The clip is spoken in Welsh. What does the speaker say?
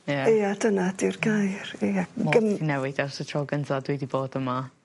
Ia. Ia dyna 'di'r gair ie gin... Mor newid ers y tro gynta dwi 'di bod yma